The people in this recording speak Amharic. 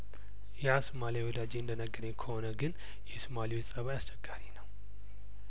ያሶማሌው ወዳጄ እንደነገረኝ ከሆነ ግን የሶማሌዎች ጸባይአስቸጋሪ ነወ